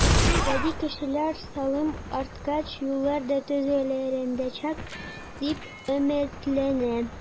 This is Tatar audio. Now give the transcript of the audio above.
Гади кешеләр салым арткач, юллар да төзекләндереләчәк, дип өметләнә.